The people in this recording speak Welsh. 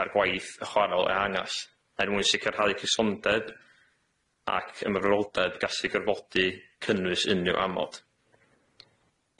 na'r gwaith y chwaral ehangach er mwyn sicyrhau cysondeb ac ymroldeb gallu gorfodi cynnwys unryw amod.